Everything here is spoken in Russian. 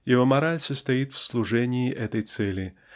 его мораль состоит в служении этой цели